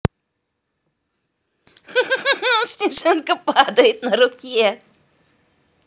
снежинки падают на руке